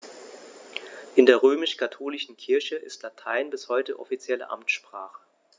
In der römisch-katholischen Kirche ist Latein bis heute offizielle Amtssprache.